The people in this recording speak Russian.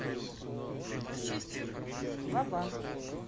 вабанк